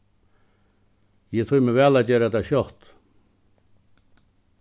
eg tími væl at gera tað skjótt